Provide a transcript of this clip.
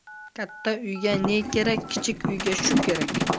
katta uyga ne kerak kichik uyga shu kerak